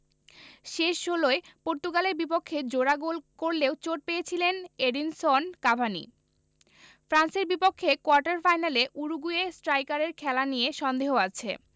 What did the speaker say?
শেষ ষোলোয় পর্তুগালের বিপক্ষে জোড়া গোল করলেও চোট পেয়েছিলেন এডিনসন কাভানি ফ্রান্সের বিপক্ষে কোয়ার্টার ফাইনালে উরুগুয়ে স্ট্রাইকারের খেলা নিয়ে সন্দেহ আছে